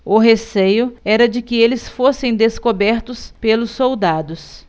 o receio era de que eles fossem descobertos pelos soldados